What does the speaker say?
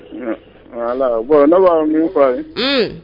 Ala bon ne b'a min fɔ a ye, un